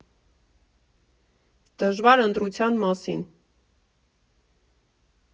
Դժվար ընտրության մասին։